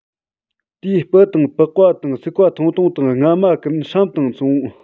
དེའི སྤུ དང པགས པ དང སུག པ ཐུང ཐུང དང རྔ མ ཀུན སྲམ དང མཚུངས